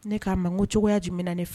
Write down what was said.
Ne k'a ma nko cogoya jumɛn in na ne fa?